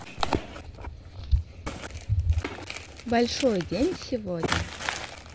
большой день сегодня